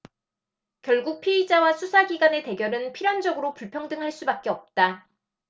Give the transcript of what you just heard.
결국 피의자와 수사기관의 대결은 필연적으로 불평등할 수밖에 없다